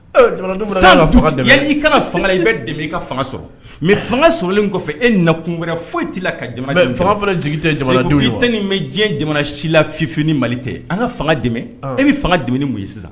Kana fanga bɛ dɛmɛ i ka fanga sɔrɔ mɛ fanga sɔrɔlen kɔfɛ e nakun wɛrɛ foyi t' ka fanga i tɛ nin diɲɛ jamana si la fif mali tɛ an ka fanga dɛmɛ e bɛ fanga dɛmɛ mun ye sisan